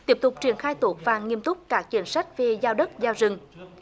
tiếp tục triển khai tốt và nghiêm túc cả quyển sách về giao đất giao rừng